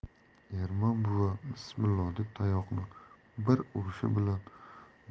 ermon buva bismillo deb tayoqni bir